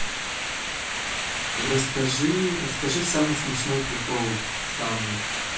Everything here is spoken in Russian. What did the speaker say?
расскажи расскажи самый смешной прикол самый